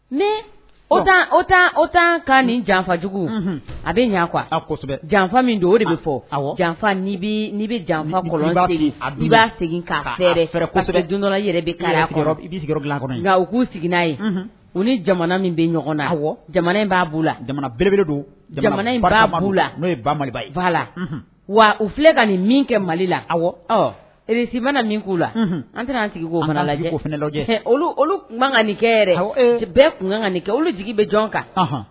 Ne o ka nin janfajugu a bɛ ɲɛ kuwasɛbɛ janfa don o de bɛ fɔ janfa bɛ jan' seginɛrɛsɛbɛ don dɔ i bɛ nka u'u sigi n'a ye u ni jamana min bɛ ɲɔgɔn na jamana b'a la jamana belebele don jamana b b'u la n'o i' la wa u filɛ ka nin min kɛ mali la aw mana min k'u la an tɛna sigi lajɛ olu tun nin kɛ bɛɛ tun kan nin kɛ olu jigi bɛ jɔn kan